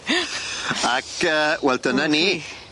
Ag yy wel dyna ni.